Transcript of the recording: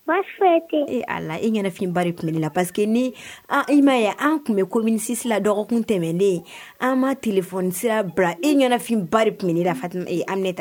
Efinri la parce que ni m ma ye an tun bɛ ko minisisila dɔgɔkun tɛmɛnnen ye an ma tile- sira bila efinri tun